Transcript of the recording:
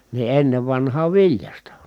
niin ennen vanhaan viljasta